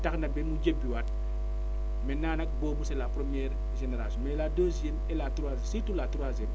tax na ba ñu jébbiwaat maintenant nag boobu c' est la première génération mais la deuxième et la troisième surtout la troisième